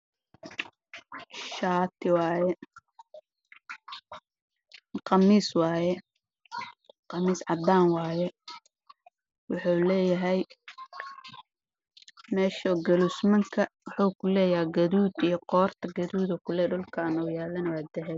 Meeshan waxaa yaalo khamiis qurux badan khamiiska kalarkiisu waa cadaan iyo qaxwi